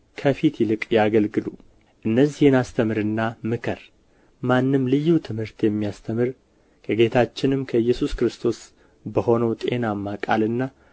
ከፊት ይልቅ ያገልግሉ እነዚህን አስተምርና ምከር ማንም ልዩ ትምህርት የሚያስተምር ከጌታችንም ከኢየሱስ ክርስቶስ በሆነው ጤናማ ቃልና